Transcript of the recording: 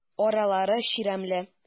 Аралары чирәмле.